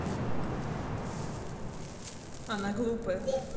она глупая